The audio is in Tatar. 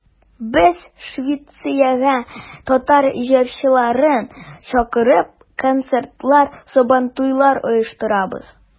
Без, Швециягә татар җырчыларын чакырып, концертлар, Сабантуйлар оештырабыз.